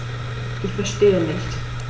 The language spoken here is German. Ich verstehe nicht.